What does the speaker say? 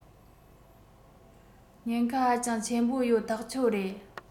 ཉེན ཁ ཧ ཅང ཆེན པོ ཡོད ཐག ཆོད རེད